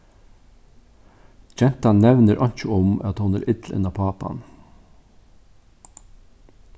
gentan nevnir einki um at hon er ill inn á pápan